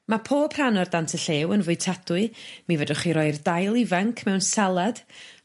Ma' pob rhan o'r dant y llew yn fwytadwy mi fedrwch chi roi'r dail ifanc mewn salad